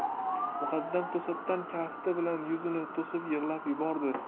muqaddam to'satdan kafti bilan yuzini to'sib yig'lab yubordi